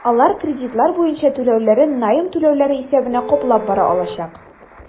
Алар кредитлар буенча түләүләрен найм түләүләре исәбенә каплап бара алачак.